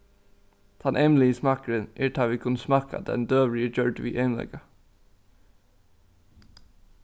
tann eymligi smakkurin er tá vit kunnu smakka at ein døgurði er gjørdur við eymleika